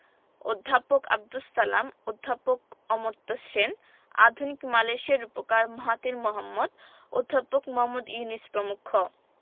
অধ্যাপক আবদুস সালাম অধ্যাপক অমর্ত্য সেন আধুনিক মালয়েশিয়ার রূপকার মাহাথির মোহাম্মদ অধ্যাপক মুহম্মদ ইউনুস প্রমুখ